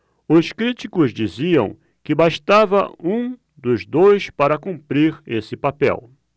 os críticos diziam que bastava um dos dois para cumprir esse papel